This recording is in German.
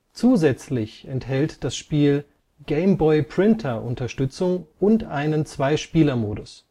Zusätzlich enthält das Spiel Game-Boy-Printer-Unterstützung und einen Zweispielermodus